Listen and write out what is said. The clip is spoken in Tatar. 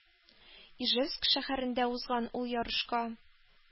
Ижевск шәһәрендә узган ул ярышка